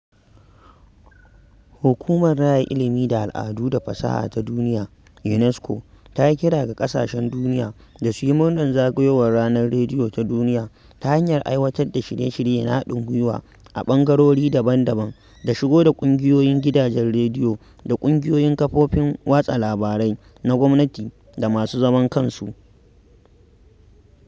Hukumar Raya Ilimi da Al'adu da Fasaha Ta Duniya (UNESCO) ta yi kira ga ƙasashen duniya da su yi murnar zagayowar Ranar Rediyo Ta Duniya ta hanyar aiwatar da shirye-shirye na haɗin-gwiwa a ɓangarori daban-daban da shigo da ƙungiyoyin gidajen rediyo da ƙungiyoyin kafofin watsa labarai na gwamnati da masu zaman kansu.